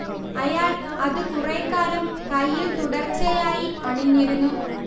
അയാൾ അത് കുറേക്കാലം കൈയ്യിൽ തുടർച്ചയായി അണിഞ്ഞിരുന്നു